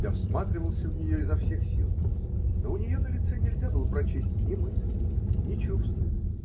Я всматривался в нее изо всех сил, но у нее на лице нельзя было прочесть ни мысли, ни чувства